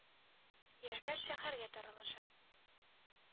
Яшьләр шәһәргә таралыша.